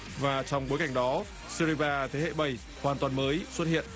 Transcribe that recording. và trong bối cảnh đó sê ri ba thế hệ bảy hoàn toàn mới xuất hiện